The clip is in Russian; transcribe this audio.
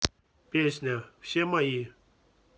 песня все мои